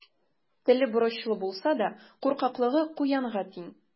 Теле борычлы булса да, куркаклыгы куянга тиң.